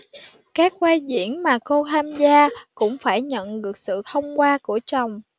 các vai diễn mà cô tham gia cũng phải nhận được sự thông qua của chồng